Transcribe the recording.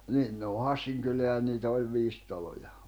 niin ne on Hassin kylää ja niitä oli viisi taloa